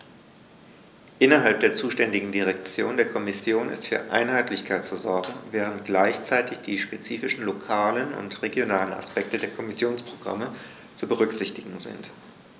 Innerhalb der zuständigen Direktion der Kommission ist für Einheitlichkeit zu sorgen, während gleichzeitig die spezifischen lokalen und regionalen Aspekte der Kommissionsprogramme zu berücksichtigen sind.